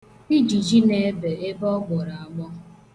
Ijiji na-ebe ebe ọ gbọrọ agbọ.